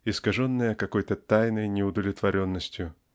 искаженные какой-то тайной неудовлетворенностью